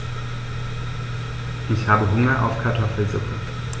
Ich habe Hunger auf Kartoffelsuppe.